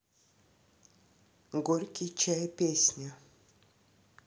горький чай песня